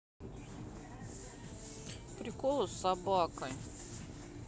приколы с собаками